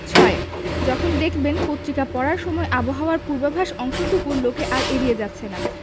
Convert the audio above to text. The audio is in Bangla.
৬. যখন দেখবেন পত্রিকা পড়ার সময় আবহাওয়ার পূর্বাভাস অংশটুকু লোকে আর এড়িয়ে যাচ্ছে না